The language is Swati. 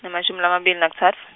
emashumi lamabili nakutsatfu.